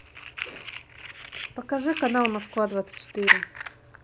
покажи канал москва двадцать четыре